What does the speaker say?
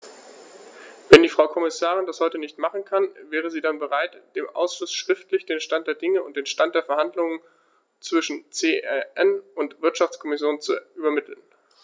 Wenn die Frau Kommissarin das heute nicht machen kann, wäre sie dann bereit, dem Ausschuss schriftlich den Stand der Dinge und den Stand der Verhandlungen zwischen CEN und Wirtschaftskommission zu übermitteln?